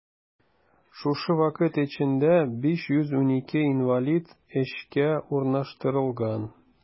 Шушы вакыт эчендә 512 инвалид эшкә урнаштырылган.